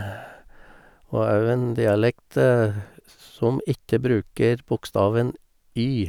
Og òg en dialekt som ikke bruker bokstaven y.